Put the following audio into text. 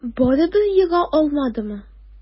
Барыбер ега алмадымы?